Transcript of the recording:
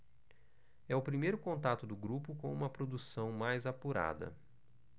é o primeiro contato do grupo com uma produção mais apurada